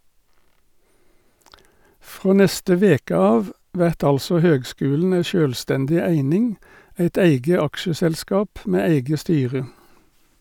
Frå neste veke av vert altså høgskulen ei sjølvstendig eining, eit eige aksjeselskap med eige styre.